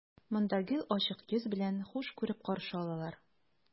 Монда гел ачык йөз белән, хуш күреп каршы алалар.